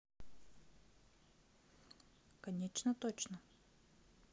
конечно точно